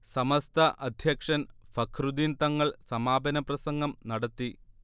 സമസ്ത അധ്യക്ഷൻ ഫഖ്റുദ്ദീൻ തങ്ങൾ സമാപന പ്രസംഗം നടത്തി